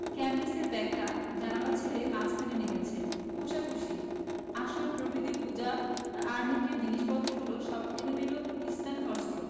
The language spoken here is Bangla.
তাঁর ক্যাম্বিসের ব্যাগটা জানালা ছেড়ে মাঝখানে নেমেচে কোষাকুষি আসন প্রভৃতি পূজা আহ্নিকের জিনিসপত্রগুলো সব এলোমেলো স্থানভ্রষ্ট